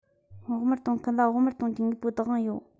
བོགས མར གཏོང མཁན ལ བོགས མར གཏོང རྒྱུའི དངོས པོའི བདག དབང ཡོད